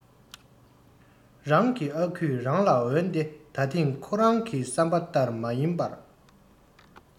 རང གི ཨ ཁུས རང ལ འོན ཏེ ད ཐེངས ཁོ རང གི བསམ པ ཏར མ ཡིན པར